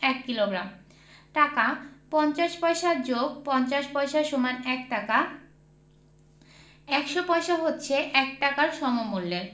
১ kilogram টাকাঃ ৫০ পয়সা + ৫০ পয়স = ১ টাকা ১০০ পয়সা হচ্ছে ১ টাকার সমমূল্যের